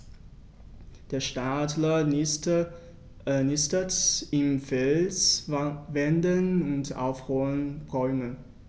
Der Steinadler nistet in Felswänden und auf hohen Bäumen.